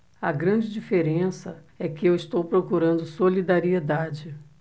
a grande diferença é que eu estou procurando solidariedade